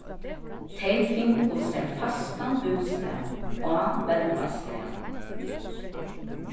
tey fingu sær fastan bústað á velbastað